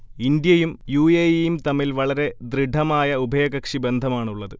ഇന്ത്യയും U. A. ഇയും തമ്മിൽ വളരെ ദൃഢമായ ഉഭയകക്ഷി ബന്ധമാണുള്ളത്